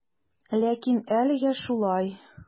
Ләкин әлегә шулай.